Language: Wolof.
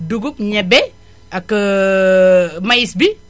dugub ñebe ak maïs bi